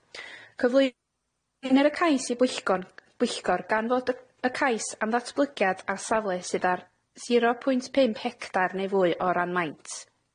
Cyflwy- nir y cais i bwyllgor- bwyllgor, gan fod y- y cais am ddatblygiad ar safle sydd ar zero pwynt pump hectar neu fwy o ran maint.